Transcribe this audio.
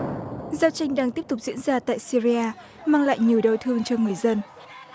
giao tranh đang tiếp tục diễn ra tại syria mang lại nhiều đau thương cho người dân